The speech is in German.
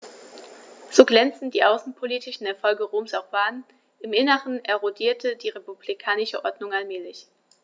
So glänzend die außenpolitischen Erfolge Roms auch waren: Im Inneren erodierte die republikanische Ordnung allmählich.